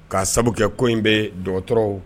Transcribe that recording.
K'a sababu kɛ ko in bɛ dɔgɔtɔrɔw